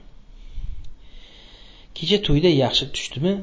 kecha to'yda yaxshi tushdimi